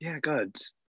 Yeah good.